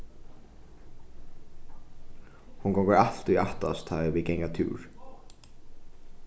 hon gongur altíð aftast tá ið vit ganga túr